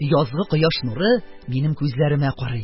Язгы кояш нуры минем күзләремә карый,